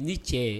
Ni ce